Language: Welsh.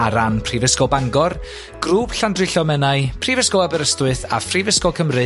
ar ran prifysgol Bangor, grŵp llandrillomenau, prfysgol Aberystwyth a phrifysgol cymru